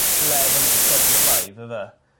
leven to twenty five yfe?